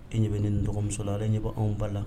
E ɲɛ bɛ ne n dɔgɔmuso lare ɲɛ anw ba la